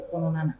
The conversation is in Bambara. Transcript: Kɔnɔna na